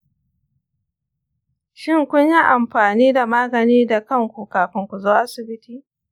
shin kun yi amfani da magani da kanku kafin ku zo asibiti?